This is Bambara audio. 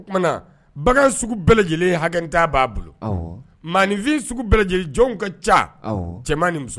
O tumana bagan sugu bɛɛ lajɛlen hakɛ b'a boloinfin sugu bɛɛ lajɛlen jɔnw ka ca cɛman ni muso